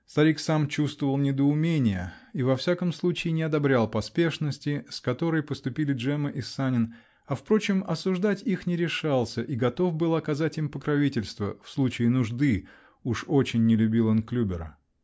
Старик сам чувствовал недоумение -- и во всяком случае не одобрял поспешности, с которой поступили Джемма и Санин, а, впрочем, осуждать их не решался и готов был оказать им покровительство -- в случае нужды: уж очень не любил он Клюбера!